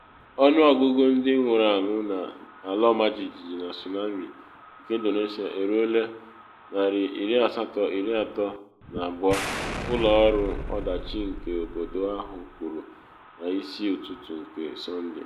Ọnụọgụgụ ndị nwụrụ anwụ na ala ọmajijiji na tsunami nke Indonesia eruola 832, ụlọ ọrụ ọdachi nke obodo ahụ kwuru na isi ụtụtụ nke Sonde.